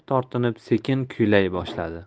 tortinib sekin kuylay boshladi